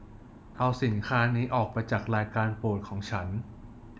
เอาสินค้านี้ออกไปจากรายการโปรดของฉัน